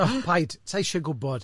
O paid, sa' i isie gwybod.